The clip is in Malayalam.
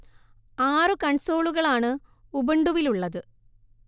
ആറു കൺസോളുകളാണ് ഉബുണ്ടുവിലുള്ളത്